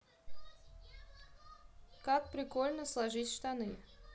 как прикольно сложить штаны